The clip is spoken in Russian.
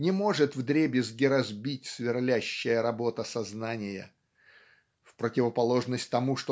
не может вдребезги разбить сверлящая работа сознания в противоположность тому